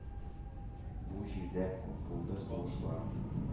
Бу җирдә күп булды сугышлар,